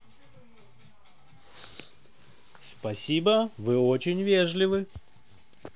спасибо вы очень вежливы